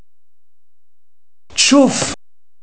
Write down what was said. شوف